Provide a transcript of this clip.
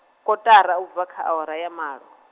kotara ubva kha awara ya malo.